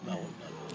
baaxul